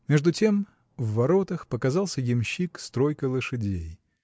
Между тем в воротах показался ямщик с тройкой лошадей.